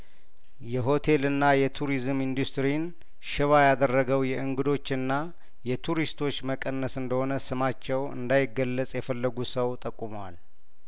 የሆቴልና የቱሪዝም ኢንዱስትሪን ሽባ ያደረገው የእንግዶችና የቱሪስቶች መቀነስ እንደሆነ ስማቸው እንዳይገለጽ የፈለጉ ሰው ጠቁመዋል